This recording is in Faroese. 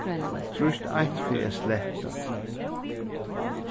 trýst eitt fyri at sletta